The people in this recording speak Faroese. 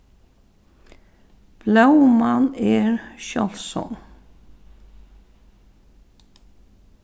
blóman er sjáldsom